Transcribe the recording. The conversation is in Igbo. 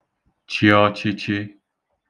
chị̄ ọ̄chị̄chị̄